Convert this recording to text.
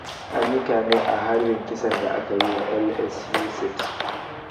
Anyi kame a harbin kisan da akayi wa LSU Sims